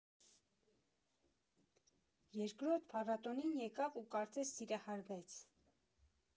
Երկրորդ փառատոնին եկավ ու կարծես սիրահարվեց։